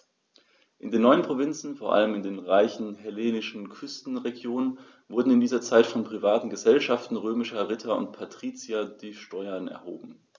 In den neuen Provinzen, vor allem in den reichen hellenistischen Küstenregionen, wurden in dieser Zeit von privaten „Gesellschaften“ römischer Ritter und Patrizier die Steuern erhoben.